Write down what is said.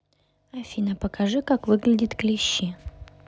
афина покажи как выглядят клещи